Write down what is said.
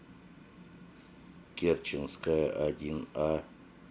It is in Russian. керченская один а